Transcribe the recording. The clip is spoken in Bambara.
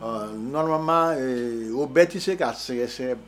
N ŋmama o bɛɛ tɛ se k'a sɛgɛsɛ